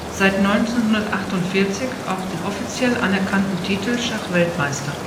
seit 1948 auch den offiziell anerkannten Titel Schachweltmeister